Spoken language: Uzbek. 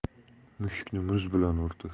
mushukni muz bilan urdi